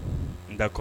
N ga kɔ